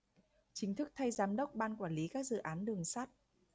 chính thức thay giám đốc ban quản lý các dự án đường sắt